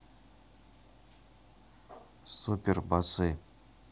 супер басы